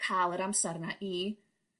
ca'l yr amsar 'na i